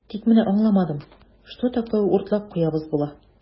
Тик менә аңламадым, что такое "уртлап куябыз" була?